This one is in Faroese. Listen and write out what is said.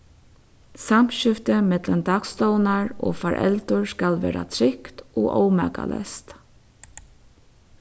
samskiftið millum dagstovnar og foreldur skal vera trygt og ómakaleyst